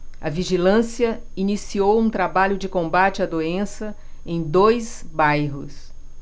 a vigilância iniciou um trabalho de combate à doença em dois bairros